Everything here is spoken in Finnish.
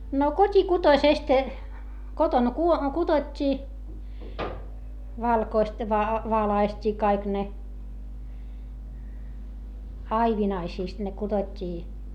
no kotikutoisesta kotona - kudottiin valkoiset - valaistiin kaikki ne aivinaisista ne kudottiin